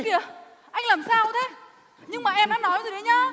kìa anh làm sao thế nhưng mà em đã nói rồi đấy nhá